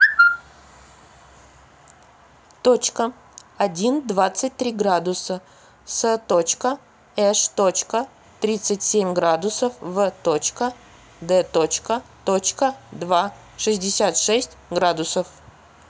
точка один двадцать три градуса с точка эш точка тридцать семь градусов в точка д точка точка два шестьдесят шесть градусов